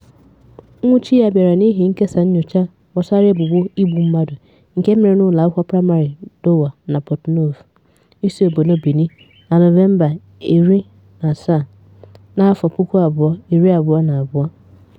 Nnwuchi ya bịara n'ihi ikesa nnyocha gbasara ebubo igbu mmadụ nke mere n'ụlọakwụkwọ praịmarị Dowa na Porto-Novo (isiobodo Benin) na Nọvemba 17, 2022.